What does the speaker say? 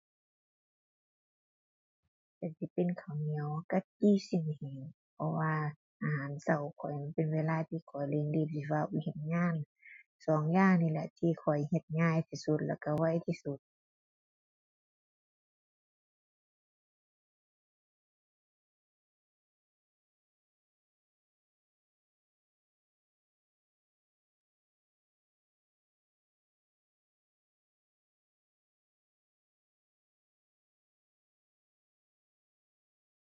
ก็สิเป็นข้าวเหนียวกับจี่ซี้นแห้ง เพราะว่าอาหารก็ข้อย มันเป็นเวลาที่ข้อยเร่งรีบสิฟ้าวไปเฮ็ดงาน สองอย่างนี่แหละที่ข้อยเฮ็ดง่ายที่สุด แล้วก็ไวที่สุด